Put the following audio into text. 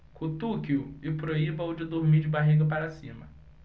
cutuque-o e proíba-o de dormir de barriga para cima